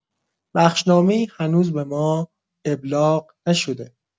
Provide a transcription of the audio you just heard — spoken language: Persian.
بخشنامه‌ای هنوز به ما ابلاغ نشده.